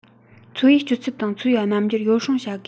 འཚོ བའི སྤྱོད ཚུལ དང འཚོ བའི རྣམ འགྱུར ཡོ བསྲང བྱ དགོས